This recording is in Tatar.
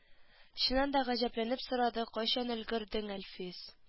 Чыннан да гаҗәпләнеп сорады кайчан өлгердең әлфис